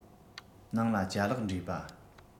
ནང ལ ཅ ལག འདྲེས པ